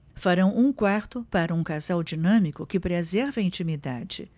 farão um quarto para um casal dinâmico que preserva a intimidade